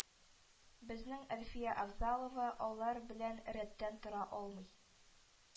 Безнең Әлфия Авзалова алар белән рәттән тора алмый